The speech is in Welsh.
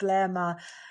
ble ma'